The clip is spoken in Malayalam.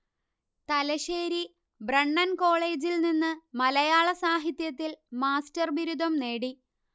തലശ്ശേരി ബ്രണ്ണൻ കോളേജിൽ നിന്ന് മലയാള സാഹിത്യത്തിൽ മാസ്റ്റർ ബിരുദം നേടി